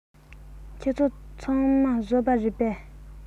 ཁྱེད ཚོ ཚང མ བཟོ པ རེད པས